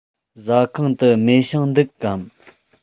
ཟ ཁང དུ མེ ཤིང འདུག གམ